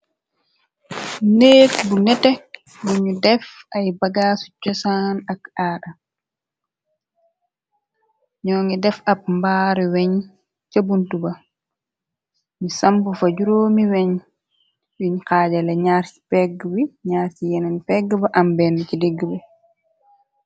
Neek bu neteh buñu def ay bagaasu cosaan ak aada ñoo ngi def ab mbaaru weñ cë buntu ba ni sambu fa juróomi weñ yiñ xaaja la ñaar ci pegg bi ñaar ci yenuñ pegg ba am bene ci digg bi.